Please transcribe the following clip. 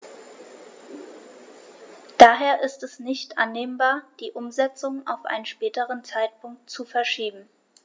Daher ist es nicht annehmbar, die Umsetzung auf einen späteren Zeitpunkt zu verschieben.